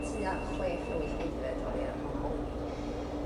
tua chwe ffrwyth aeddfed oddi ar honna leni.